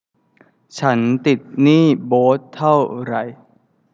ฉันติดหนี้โบ๊ทเท่าไร